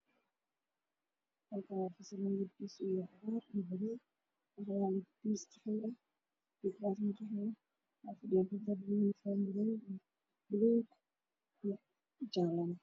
Meeshaan waa iskuul waxaa fadhiya gabdho waxay wataan xijaabo jaale iyo buluug ah qalimaan ay gacanta ku haya